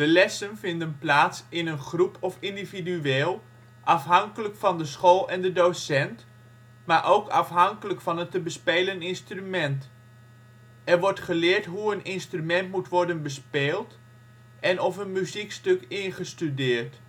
lessen vinden plaats in een groep of individueel, afhankelijk van de school en de docent, maar ook afhankelijk van het te bespelen instrument. Er wordt geleerd hoe een instrument moet worden bespeeld, en/of een muziekstuk ingestudeerd